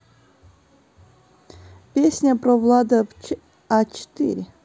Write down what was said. песня про влада а четыре